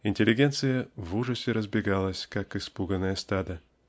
интеллигенция в ужасе разбегалась, как испуганное стадо.